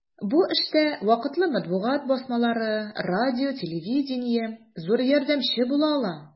Бу эштә вакытлы матбугат басмалары, радио-телевидение зур ярдәмче була ала.